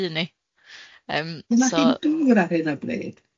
yym so. Sgenna chi'm dŵr ar hyn o bryd?